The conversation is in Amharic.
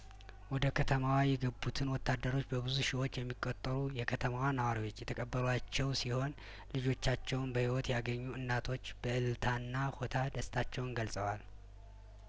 ወደ ከተማዋ የገቡትን ወታደሮች በብዙ ሺዎች የሚቆጠሩ የከተማዋ ነዋሪዎች የተቀበሏቸው ሲሆን ልጆቻቸውን በህይወት ያገኙ እናቶች በእልልታና ሆታ ደስታቸውን ገልጸዋል